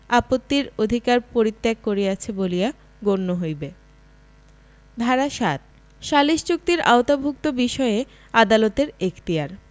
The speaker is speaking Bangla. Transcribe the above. আপত্তির অধিকার পরিত্যাগ করিয়াছে বলিয়া গণ্য হইবে ধারা ৭ সালিস চুক্তির আওতাভুক্ত বিষয়ে আদালতের এখতিয়ারঃ